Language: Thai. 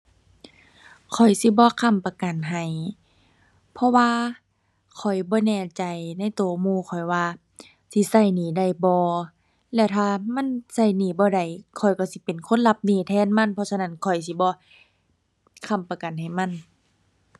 ข้อยสิบ่ค้ำประกันให้ เพราะว่าข้อยบ่แน่ใจในตัวหมู่ข้อยว่าสิตัวหนี้ได้บ่ แล้วถ้ามันตัวหนี้บ่ได้ ข้อยตัวสิเป็นคนรับหนี้แทนมัน เพราะฉะนั้นข้อยสิบ่ค้ำประกันให้มัน